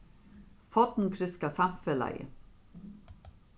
forngrikska samfelagið